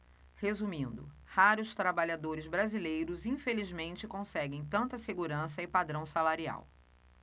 resumindo raros trabalhadores brasileiros infelizmente conseguem tanta segurança e padrão salarial